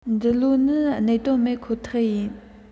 འདི ལོ ནི གནད དོན མེད ཁོ ཐག ཡིན